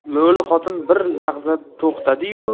lo'li xotin bir lahza to'xtadi yu